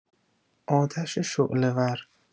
آتش شعله‌ور